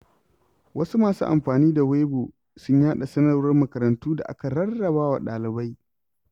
Wasu masu amfani da Weibo sun yaɗa sanarwar makarantu da aka rarrabawa ɗalibai.